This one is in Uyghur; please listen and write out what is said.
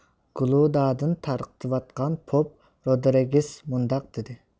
گۇلۇدادىن تارقىتىۋاتقان پوپ رودىرېگىس مۇنداق دېدى